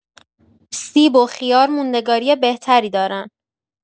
سیب و خیار موندگاری بهتری دارن.